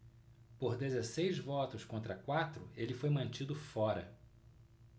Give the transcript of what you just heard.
por dezesseis votos contra quatro ele foi mantido fora